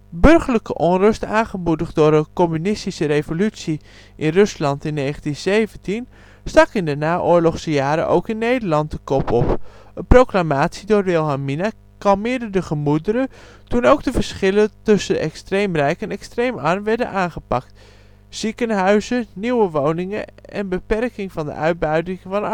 Burgerlijke onrust, aangemoedigd door de communistische revolutie in Rusland in 1917, stak in de naoorlogse jaren ook in Nederland de kop op. Een proclamatie door Wilhelmina kalmeerde de gemoederen toen ook de verschillen tussen extreem rijk en extreem arm werden aangepakt: ziekenhuizen, nieuwe woningen en beperking van de uitbuiting van arbeiders